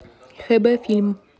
хб фильм